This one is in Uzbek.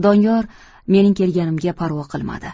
doniyor mening kelganimga parvo qilmadi